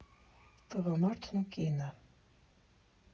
Տղամարդն ու կինը։